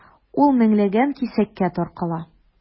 Ул меңләгән кисәккә таркала.